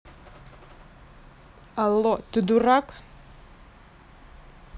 алло ты дурак